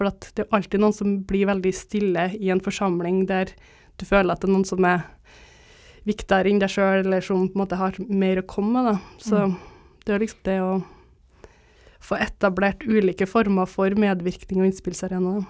fordi at det er jo alltid noen som blir veldig stille i en forsamling der du føler at det er noen som er viktigere enn deg sjøl eller som på en måte har mer å komme med da så det er jo liksom det å få etablert ulike former for medvirkning- og innspillsarena da.